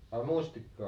a mustikkaa